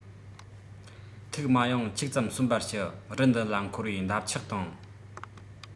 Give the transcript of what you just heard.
ཐུགས མ གཡེང ཁྱུག ཙམ གསོན པར ཞུ རི འདི ལ འཁོར བའི འདབ ཆགས དང